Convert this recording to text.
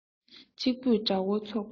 གཅིག པུས དགྲ བོའི ཚོགས ཀུན བཅོམ